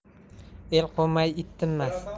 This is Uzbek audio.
el qo'nmay it tinmas